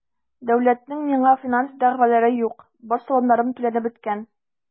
Дәүләтнең миңа финанс дәгъвалары юк, бар салымнарым түләнеп беткән.